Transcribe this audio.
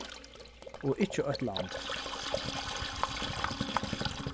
og ikki eitt land